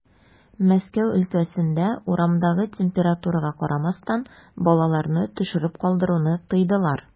Мәскәү өлкәсендә, урамдагы температурага карамастан, балаларны төшереп калдыруны тыйдылар.